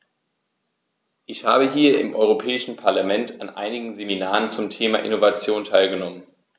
Ich habe hier im Europäischen Parlament an einigen Seminaren zum Thema "Innovation" teilgenommen.